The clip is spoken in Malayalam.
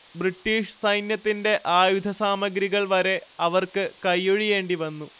ബ്രിട്ടീഷ് സൈന്യത്തിന്റെ ആയുധസാമഗ്രികൾ വരെ അവർക്ക് കൈയ്യൊഴിയേണ്ടി വന്നു